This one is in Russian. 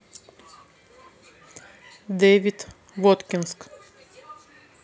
david воткинск